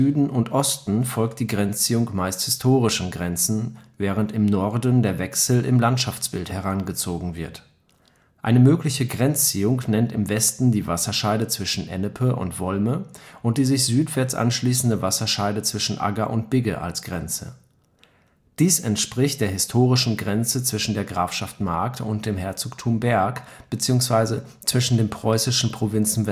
Süden und Osten folgt die Grenzziehung meist historischen Grenzen, während im Norden der Wechsel im Landschaftsbild herangezogen wird. Eine mögliche Grenzziehung nennt im Westen die Wasserscheide zwischen Ennepe und Volme und die sich südwärts anschließende Wasserscheide zwischen Agger und Bigge als Grenze. Dies entspricht der historischen Grenze zwischen der Grafschaft Mark und dem Herzogtum Berg beziehungsweise zwischen den preußischen Provinzen